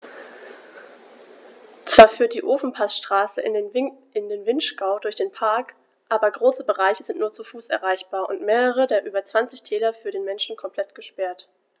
Zwar führt die Ofenpassstraße in den Vinschgau durch den Park, aber große Bereiche sind nur zu Fuß erreichbar und mehrere der über 20 Täler für den Menschen komplett gesperrt.